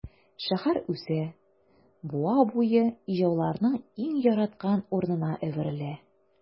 Шәһәр үсә, буа буе ижауларның иң яраткан урынына әверелә.